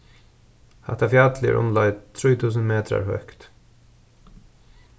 hatta fjallið er umleið trý túsund metrar høgt